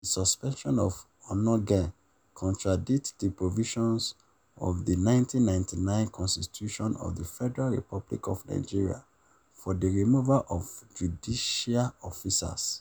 The suspension of Onnoghen contradicts the provisions of the 1999 Constitution of the Federal Republic of Nigeria for the removal of judicial officers.